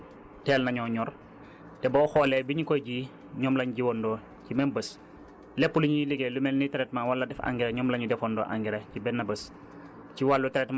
parce que yooyu teel nañoo ñor te boo xoolee bi ñu koy ji ñoom lañ jiwandoo ci même bës lépp lu ñuy liggéey lu mel ni traitement wala def engrais ñoom la ñuy defandoo engrais ci benn bës